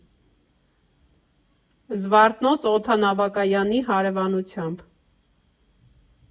Զվարթնոց օդանավակայանի հարևանությամբ։